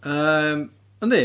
Yym yndi.